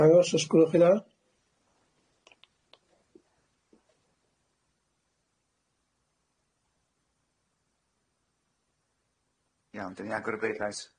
Iawn, 'dan ni'n agor y bleidlais.